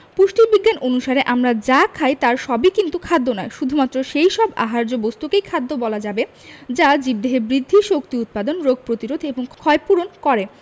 পুষ্টিবিজ্ঞান অনুসারে আমরা যা খাই তার সবই কিন্তু খাদ্য নয় শুধুমাত্র সেই সব আহার্য বস্তুকেই খাদ্য বলা যাবে যা জীবদেহে বৃদ্ধি শক্তি উৎপাদন রোগ প্রতিরোধ এবং ক্ষয়পূরণ করে